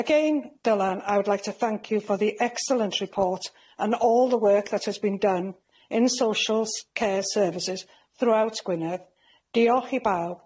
Again Dylan I would like to thank you for the excellent report and all the work that has been done in social s- care services throughout Gwynedd. Diolch i bawb.